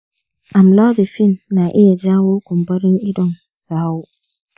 amlodipine na iya jawo kumburin idon sawo.